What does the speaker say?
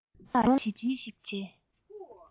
ངོ གདོང ལ བྱིལ བྱིལ ཞིག བྱས